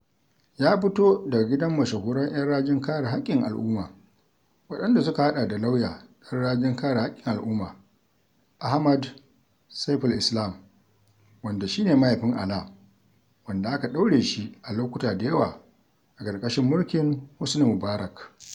Ya fito daga gidan mashahuran 'yan rajin kare haƙƙin al'umma, waɗanda suka haɗa da lauya ɗan rajin kare haƙƙin al'umma Ahmed Seif El Islam, wanda shi ne mahaifin Alaa, wanda aka ɗaure shi a lokuta da yawa a ƙarƙashin mulkin Hosni Mubarak.